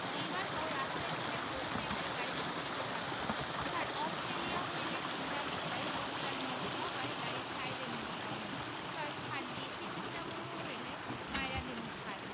এইবার কও রাস্তায় দুইটা গরু দেখলে গাড়ি কোনদিকে চালাবা ছার অশটেলিয়া হইলে চিন্তার বিষয় ওগুলান মোটকা হয় গাড়ি সাইডে নিমু তহন তয় ছার দেশি চিকনা গরু হইলে মাইরা দিমু ছার